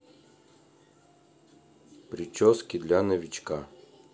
прически для новичка